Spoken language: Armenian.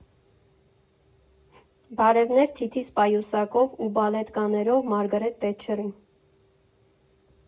Բարևներ թիթիզ պայուսակով ու բալետկաներով Մարգարետ Թետչերից։